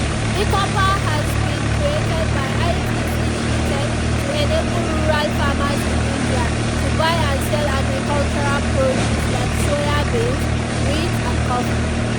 e-Choupal has been created by ITC Limited to enable rural farmers in India to buy and sell agricultural produce like soya beans, wheat, and coffee.